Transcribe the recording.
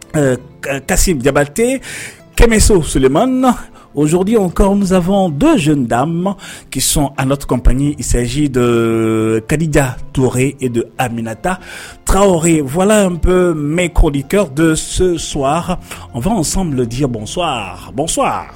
Ɛɛ kasisi jabate kɛmɛsow solenman na ozodi ka donsoson d an ma kisɔn a na tunpsɛnzji dɔ kadija tu e don aminata tu vlan in bɛ m kɔdikɛlaw dɔ swa an fana sanbudi bɔn bɔn